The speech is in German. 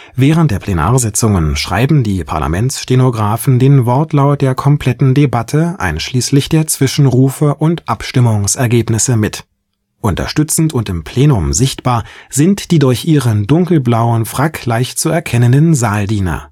Während der Plenarsitzungen schreiben die Parlamentsstenografen den Wortlaut der kompletten Debatte einschließlich der Zwischenrufe und Abstimmungsergebnisse mit. Unterstützend und im Plenum sichtbar, sind die durch ihren dunkelblauen Frack leicht zu erkennenden Saaldiener